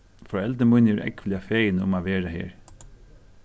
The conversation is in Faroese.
foreldur míni eru ógvuliga fegin um at vera her